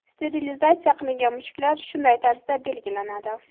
sterilizatsiya qilingan mushuklar shunday tarzda belgilanadi